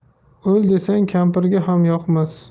o'l desang kampirga ham yoqmas